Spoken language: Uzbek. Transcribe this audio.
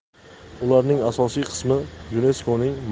ularning asosiy qismi yuneskoning